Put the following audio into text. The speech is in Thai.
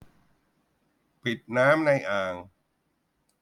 ปิดน้ำในอ่าง